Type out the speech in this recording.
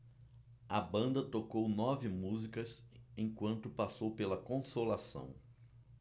a banda tocou nove músicas enquanto passou pela consolação